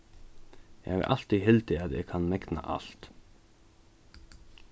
eg havi altíð hildið at eg kann megna alt